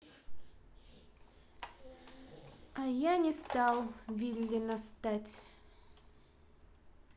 а я не стал виллина стать